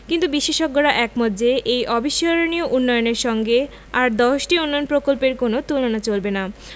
কিন্তু বিশেষজ্ঞরা একমত যে এই অবিস্মরণীয় উন্নয়নের সঙ্গে আর দশটি উন্নয়ন প্রকল্পের কোনো তুলনা চলবে না